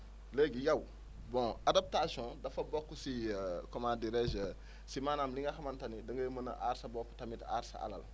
léegi yow bon adaption dafa bokk si comment dirais je si maanaam li nga xamante ni da ngay mën a aar sa bopp tamit aar sa alal